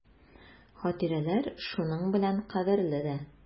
Хатирәләр шуның белән кадерле дә.